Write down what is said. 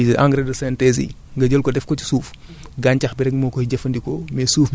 boo defee engrais NPK yii nii ñuy utiliser engrais de synthèse yi nga jël ko def ko ci suuf